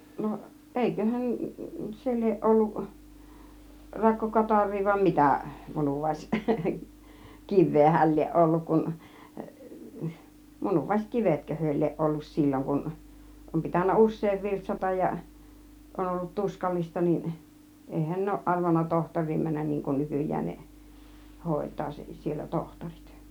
no eiköhän se lie ollut - rakkokatarria vai mitä - munuaiskiveä hän lie ollut kun - munuaiskivetkö he lie ollut silloin kun on pitänyt usein virtsata ja on ollut tuskallista niin eihän ne ole arvannut tohtoriin mennä niin kuin nykyään ne hoitaa sen siellä tohtorit